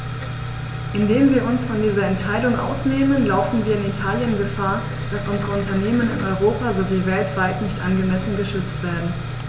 Indem wir uns von dieser Entscheidung ausnehmen, laufen wir in Italien Gefahr, dass unsere Unternehmen in Europa sowie weltweit nicht angemessen geschützt werden.